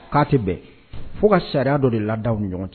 K'a tɛ bɛɛ fo ka sariya dɔ de ladaw ni ɲɔgɔn cɛ